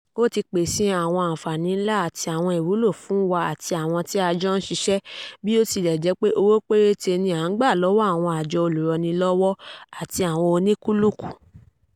Ó ti pèsè àwọn àǹfààní ńlá àti àwọn ìwúlò fún wa àti àwọn tí a jọ ń ṣiṣẹ́, bí ó tilẹ̀ jẹ́ pé owó péréte ni a gbà lọ́wọ́ àwọn àjọ olúranilọ́wọ̀ àti àwọn olúkúlùkù.